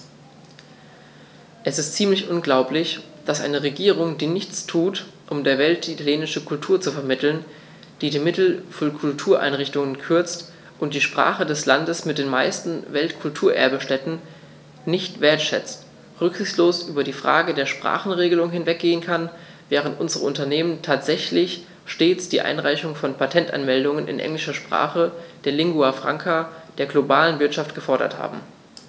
Es ist ziemlich unglaublich, dass eine Regierung, die nichts tut, um der Welt die italienische Kultur zu vermitteln, die die Mittel für Kultureinrichtungen kürzt und die Sprache des Landes mit den meisten Weltkulturerbe-Stätten nicht wertschätzt, rücksichtslos über die Frage der Sprachenregelung hinweggehen kann, während unsere Unternehmen tatsächlich stets die Einreichung von Patentanmeldungen in englischer Sprache, der Lingua Franca der globalen Wirtschaft, gefordert haben.